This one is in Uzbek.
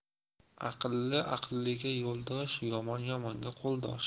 aqlli aqlliga yo'ldosh yomon yomonga qo'ldosh